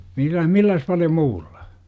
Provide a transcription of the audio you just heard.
- millä paljon muulla